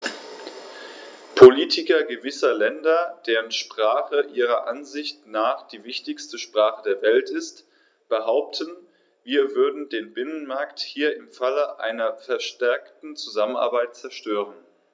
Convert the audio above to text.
Politiker gewisser Länder, deren Sprache ihrer Ansicht nach die wichtigste Sprache der Welt ist, behaupten, wir würden den Binnenmarkt hier im Falle einer verstärkten Zusammenarbeit zerstören.